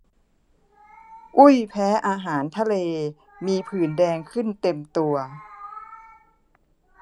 อุ้ยแพ้อาหารทะเลมีผื่นแดงขึ้นเต็มตัว